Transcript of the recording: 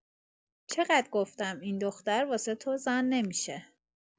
چقد گفتم این دختر واسه تو زن نمی‌شه.